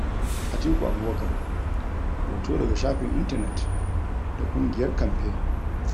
Atiku Abubakar [Hoto daga Shafin Intanet na ƙungiyar Kamfe].